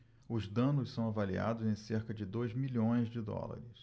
os danos são avaliados em cerca de dois milhões de dólares